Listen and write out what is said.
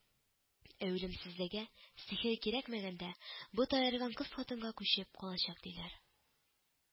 Ә үлемсезлеге, сихере кирәкмәгәндә бот аерган кыз-хатынга күчеп калачак, диләр